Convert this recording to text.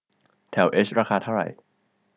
แถวเอชราคาเท่าไหร่